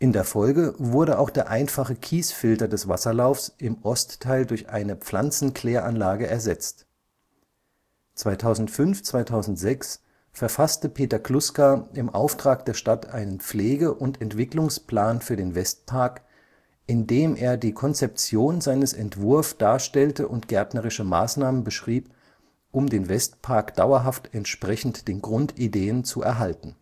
der Folge wurde auch der einfache Kiesfilter des Wasserlaufs im Ostteil durch eine Pflanzenkläranlage ersetzt. 2005/06 verfasste Peter Kluska im Auftrag der Stadt einen Pflege - und Entwicklungsplan für den Westpark, in dem er die Konzeption seines Entwurf darstellte und gärtnerische Maßnahmen beschrieb, um den Westpark dauerhaft entsprechend den Grundideen zu erhalten